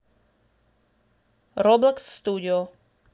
роблокс студио